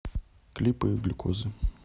клипы глюкозы